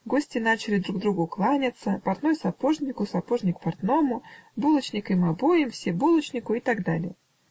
Гости начали друг другу кланяться, портной сапожнику, сапожник портному, булочник им обоим, все булочнику и так далее.